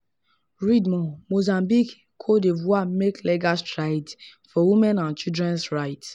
Read more: Mozambique, Cote d'Ivoire make legal strides for women and children’s rights